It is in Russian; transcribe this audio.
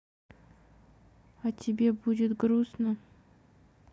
а тебе будет грустно